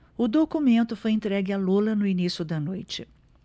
o documento foi entregue a lula no início da noite